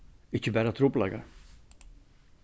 ikki bara trupulleikar